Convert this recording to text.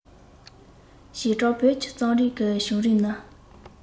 བྱེ བྲག བོད ཀྱི རྩོམ རིག གི བྱུང རིམ ནི